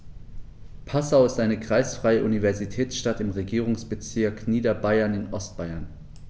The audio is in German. Passau ist eine kreisfreie Universitätsstadt im Regierungsbezirk Niederbayern in Ostbayern.